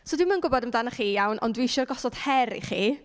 So dwi'm yn gwybod amdanoch chi iawn, ond dwi isie gosod her i chi.